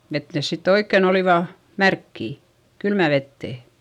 että ne sitten oikein olivat märkiä kylmään veteen